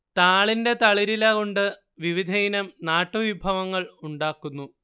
താളിന്റെ തളിരിലകൊണ്ട് വിവിധയിനം നാട്ടുവിഭവങ്ങൾ ഉണ്ടാക്കുന്നു